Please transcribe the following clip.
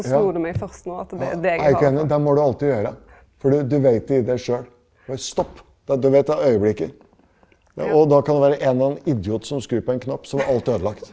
ja er du ikke enig det må du alltid gjøre fordi du veit det i deg sjøl, bare stopp da du vet det er øyeblikket, og da kan det være en eller annen idiot som skrur på en knapp så var alt ødelagt.